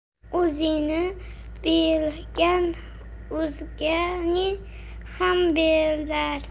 o'zini bilgan o'zgani ham bilar